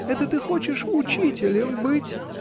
— Это ты хочешь учителем быть?